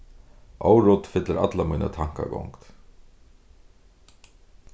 órudd fyllir alla mína tankagongd